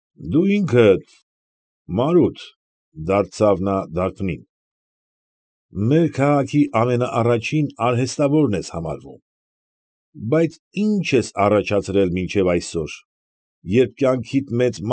Դու ինքդ, պ. Մարութ, ֊ դարձավ նա դարբնին, ֊ մեր քաղաքի ամենաառաջին արհեստավորն ես համարվում, բայց ինչ ես առաջացրել մինչև այսօր, երբ կյանքիդ մեծ։